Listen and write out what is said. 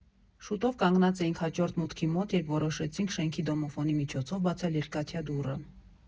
Շուտով կանգնած էինք հաջորդ մուտքի մոտ, երբ որոշեցինք շենքի դոմոֆոնի միջոցով բացել երկաթյա դուռը։